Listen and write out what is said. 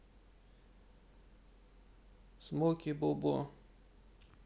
смоки бобо